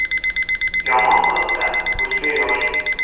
yomon qiliqdan ko'zga yosh